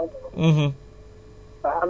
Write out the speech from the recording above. ñun ñoo ne ci projet ECHO boobu